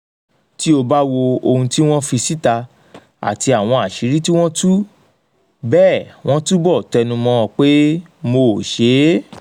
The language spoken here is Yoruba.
“Tí o bá wo ohun tí wọ́n fi sítà àti àwọn àṣírí tí wọ́n tú, bẹ́ẹ̀ wọ́n túbọ̀ tẹnu mọ pẹ́ “Mò ‘ò ṣé ééé.